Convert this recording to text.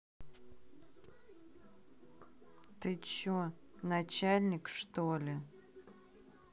ты че начальник что ли